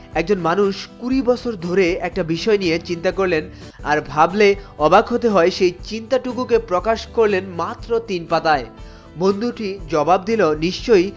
একজন মানুষ কুড়ি বছর ধরে একটি বিষয় নিয়ে চিন্তা করলেন আর ভাবলে অবাক হতে হয় সেই চিন্তা টুকুকে প্রকাশ করলেন মাত্র তিন পাতায় বন্ধুটি জবাব দিলো নিশ্চয়ই